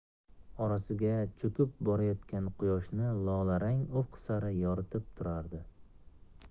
orasiga cho'kib borayotgan quyoshni lolarang ufq sari yo'ritib turardi